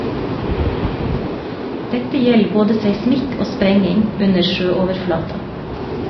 Dette gjeld både seismikk og sprenging under sjøoverflata.